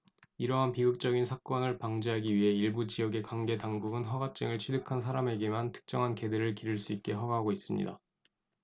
이러한 비극적인 사건을 방지하기 위해 일부 지역의 관계 당국은 허가증을 취득한 사람에게만 특정한 개들을 기를 수 있게 허가하고 있습니다